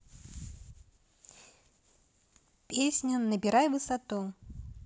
песня набирай высоту